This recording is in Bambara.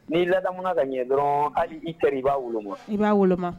Ni' ladammana ka ɲɛ dɔrɔn hali i kɛra i b'a woloma i b'a wolo